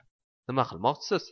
nima qilmoqchisiz